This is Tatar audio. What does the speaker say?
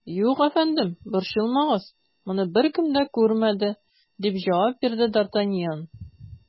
Юк, әфәндем, борчылмагыз, моны беркем дә күрмәде, - дип җавап бирде д ’ Артаньян.